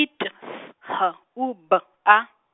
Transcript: I T S H U B A.